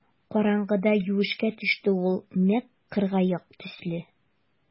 Караңгыда юешкә төште ул нәкъ кыргаяк төсле.